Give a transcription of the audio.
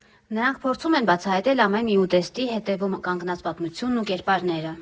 Նրանք փորձում են բացահայտել ամեն մի ուտեստի հետևում կանգնած պատմությունն ու կերպարները։